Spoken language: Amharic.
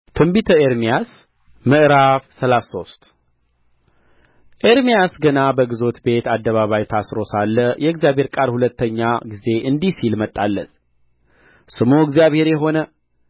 ትንቢተ ኤርምያስ ምዕራፍ ሰላሳ ሶስት ኤርምያስ ገና በግዞት ቤት አደባባይ ታስሮ ሳለ የእግዚአብሔር ቃል ሁለተኛ ጊዜ እንዲህ ሲል መጣለት ስሙ እግዚአብሔር የሆነ